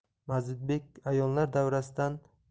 mazidbek ayonlar davrasidan bir